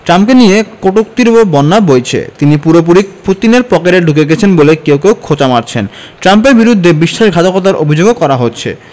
ট্রাম্পকে নিয়ে কটূক্তিরও বন্যা বইছে তিনি পুরোপুরি পুতিনের পকেটে ঢুকে গেছেন বলে কেউ কেউ খোঁচা মারছেন ট্রাম্পের বিরুদ্ধে বিশ্বাসঘাতকতার অভিযোগও করা হচ্ছে